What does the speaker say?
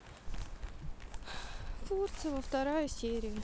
фурцева вторая серия